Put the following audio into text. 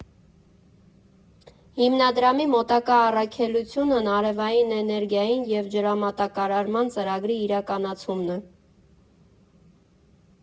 Հիմնադրամի մոտակա առաքելությունն արևային էներգիային և ջրամատակարարման ծրագրի իրականացումն է։